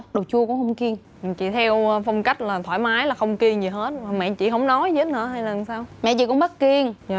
đồ chua cũng không kiêng chị theo phong cách là thoải mái là không kiêng gì hết mẹ chị hổng nói gì hết hả hay là làm sao mẹ chị cũng bắt kiêng dạ